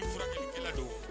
Furakɛla don